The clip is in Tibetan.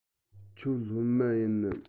ཁྱོད སློབ མ ཡིན ནམ